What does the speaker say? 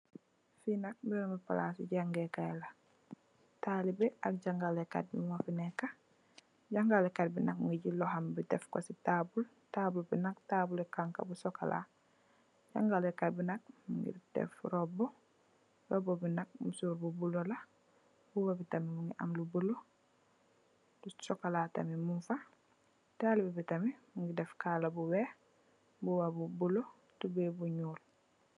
Fi nak berabi palassi jangeh kai la talibeh ak jangaleh kai bi mofi neka jangaleh kai bi nak Mungi jel lohom bi tekko sey tabul, tabul bi nak tabuli hanha bu sokola jangaleh kai bi nak Mungi deff robu, robu bi nak musorr bu buloo la mbuba bi tamit Mungi am lu buluu sokola tamit Mungfa talibeh bi tamit Mungi deff kaala bu weih mbuba bu buluu tubai bu nyuul.